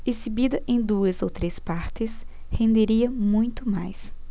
exibida em duas ou três partes renderia muito mais